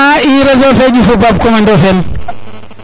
a i reseau fe ƴufu Baab Coumba Ndofen